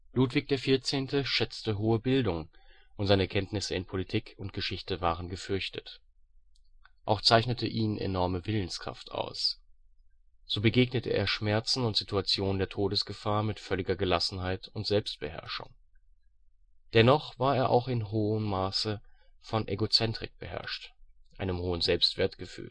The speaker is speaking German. Ludwig XIV. schätzte hohe Bildung und seine Kenntnisse in Politik und Geschichte waren gefürchtet. Auch zeichnete ihn enorme Willenskraft aus; so begegnete er Schmerzen und Situationen der Todesgefahr mit völliger Gelassenheit und Selbstbeherrschung. Dennoch war er auch im hohen Maße von Egozentrik beherrscht, einem hohen Selbstwertgefühl